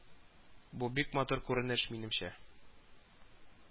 Бу бик матур күренеш, минемчә